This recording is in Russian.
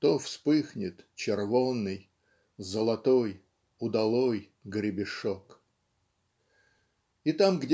то вспыхнет червонный Золотой удалой гребешок. И там